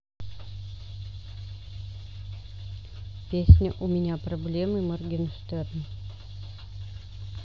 песня у меня проблемы моргенштерн